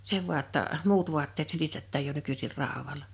se vain jotta muut vaatteet silitetään jo nykyisin raudalla